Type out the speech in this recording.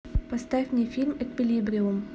поставь мне фильм эквилибриум